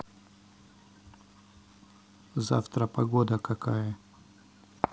завтра погода какая